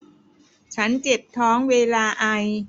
ฉันเจ็บท้องเวลาไอ